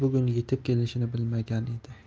bugun yetib kelishini bilmagan edi